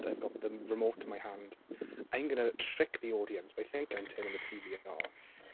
I've got the remote in my hand. I'm going to, trick the audience, by thinking I'm turning the TV off."